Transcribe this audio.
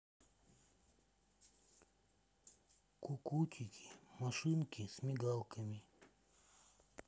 кукутики машинки с мигалками